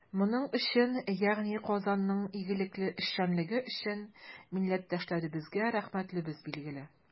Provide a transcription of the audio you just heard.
Моның өчен, ягъни Казанның игелекле эшчәнлеге өчен, милләттәшләребезгә рәхмәтлебез, билгеле.